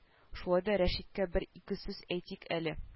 Шулай да рәшиткә бер-ике сүз әйтик әле